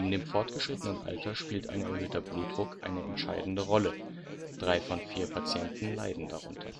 dem fortgeschrittenen Alter spielt ein erhöhter Blutdruck eine entscheidende Rolle, drei von vier Patienten leiden darunter